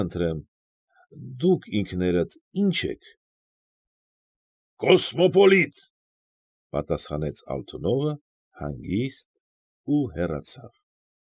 Խնդրեմ, դուք ինքներդ ի՞նչ եք։ ֊ Կոսմոպոլի՛տ,֊ պատասխանեց Ալթունովը հանգիստ ու հեռացավ։